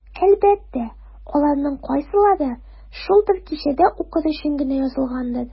Әлбәттә, аларның кайсылары шул бер кичәдә укыр өчен генә язылгандыр.